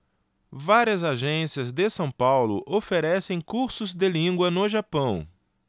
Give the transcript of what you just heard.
várias agências de são paulo oferecem cursos de língua no japão